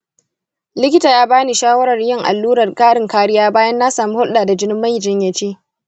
likita ya ba ni shawarar yin allurar ƙarin kariya bayan na samu hulɗa da jinin majinyaci.